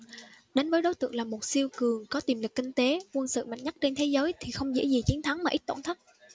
đánh với đối tượng là một siêu cường có tiềm lực kinh tế quân sự mạnh nhất trên thế giới thì không dễ gì chiến thắng mà ít tổn thất